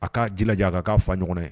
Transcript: A k'a jilaja a ka k'a fa ɲɔgɔn ye.